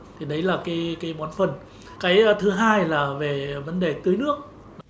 thì đấy là cái cái bón phân cái thứ hai là về vấn đề tưới nước